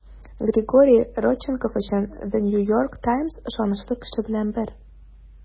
Григорий Родченков өчен The New York Times ышанычлы кеше белән бер.